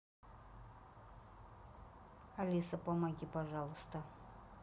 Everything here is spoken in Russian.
алиса помоги пожалуйста